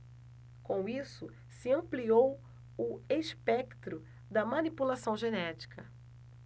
com isso se ampliou o espectro da manipulação genética